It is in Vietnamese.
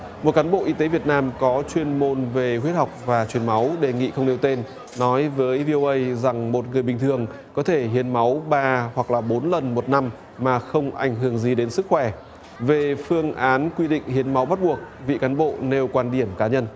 một cán bộ y tế việt nam có chuyên môn về huyết học và truyền máu đề nghị không nêu tên nói với vi ô ây rằng một người bình thường có thể hiến máu ba hoặc là bốn lần một năm mà không ảnh hưởng gì đến sức khỏe về phương án quy định hiến máu bắt buộc vị cán bộ nêu quan điểm cá nhân